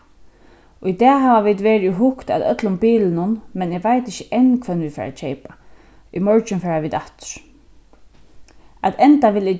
í dag hava vit verið og hugt at øllum bilunum men eg veit ikki enn hvønn vit fara at keypa í morgin fara vit aftur at enda vil eg